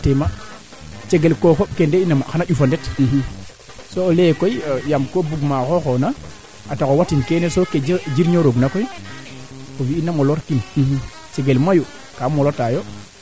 yeenu choisir a bo njeg maaga xa qol nu ngodaa ko godoo gu ndiiki koy o qol laaga ko waro topat win a topatoxa le ten refu yee xano changer a den o duufa nga mene ren kene o duufin maana